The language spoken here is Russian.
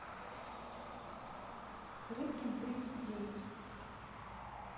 рыбкин тридцать девять